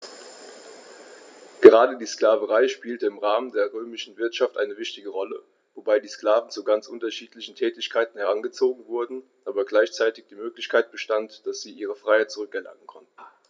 Gerade die Sklaverei spielte im Rahmen der römischen Wirtschaft eine wichtige Rolle, wobei die Sklaven zu ganz unterschiedlichen Tätigkeiten herangezogen wurden, aber gleichzeitig die Möglichkeit bestand, dass sie ihre Freiheit zurück erlangen konnten.